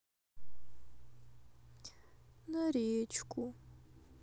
на речку